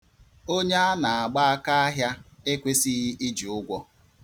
Onye a na-agba akaahịa ekwesịghị iji ụgwọ.